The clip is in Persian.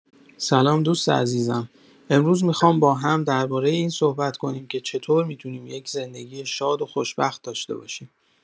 سلام دوست عزیزم، امروز می‌خوام با هم درباره این صحبت کنیم که چطور می‌تونیم یک زندگی شاد و خوشبخت داشته باشیم.